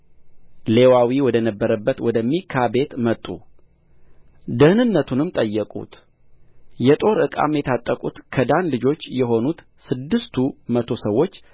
ሌዋዊ ወደ ነበረበት ወደ ሚካ ቤት መጡ ደኅንነቱንም ጠየቁት የጦር ዕቃ የታጠቁት ከዳን ልጆችም የሆኑት ስድስቱ መቶ ሰዎች